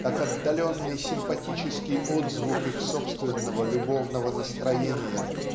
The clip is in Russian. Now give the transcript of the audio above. как отдаленный симпатический отзвук их собственного любовного настроения